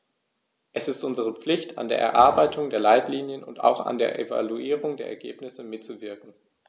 Es ist unsere Pflicht, an der Erarbeitung der Leitlinien und auch an der Evaluierung der Ergebnisse mitzuwirken.